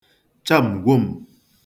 cham̀gwom̀